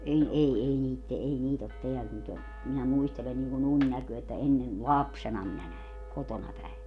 en ei ei niitä - ei niitä ole täällä nyt ole minä muistelen niin kuin unennäköä että ennen lapsena minä näin kotona päin